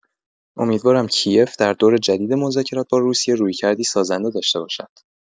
امیدوارم کی‌یف در دور جدید مذاکرات با روسیه رویکردی سازنده داشته باشد.